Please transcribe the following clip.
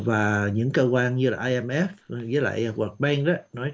và những cơ quan như là ai em ép với lại guộc banh á nói rằng